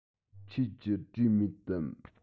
ཁྱོད ཀྱིས བྲིས མེད དམ